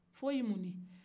foyi mun ni